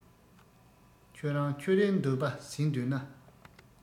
ཁྱོད རང ཁྱོད རའི འདོད པ ཟིན འདོད ན